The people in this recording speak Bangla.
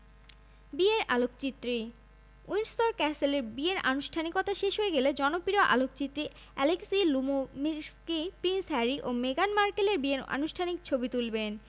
কিন্তু হ্যারি ও মেগান আগেই জানিয়ে দিয়েছেন বিয়েতে তাঁরা কোনো উপহার নেবেন না কেউ যদি তাঁদের উপহার দিতেই চান তাহলে সেগুলো নির্দিষ্ট কয়েকটি দাতব্য প্রতিষ্ঠানে দান করে দেওয়ার অনুরোধ জানানো হয়েছে হ্যারি ও মেগান এ জন্য